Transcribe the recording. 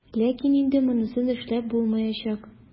Ләкин инде монысын эшләп булмаячак.